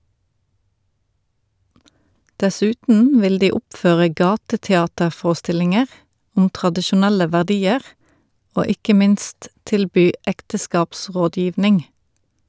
Dessuten vil de oppføre gateteaterforestillinger om tradisjonelle verdier , og ikke minst tilby ekteskapsrådgivning.